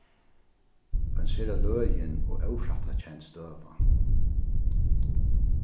ein sera løgin og ófrættakend støða